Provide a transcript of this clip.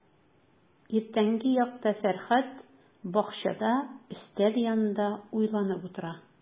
Иртәнге якта Фәрхәт бакчада өстәл янында уйланып утыра.